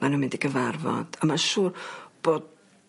Ma' nw'n mynd i gyfarfod a ma'n siŵr bod